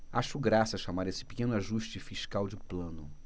acho graça chamar esse pequeno ajuste fiscal de plano